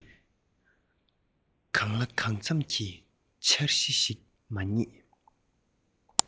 གང ལ གང འཚམ གྱི འཆར གཞི ཞིག མ རྙེད